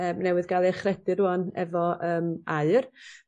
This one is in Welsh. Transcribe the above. yym newydd ga'l ei achredu rŵan efo yym aur.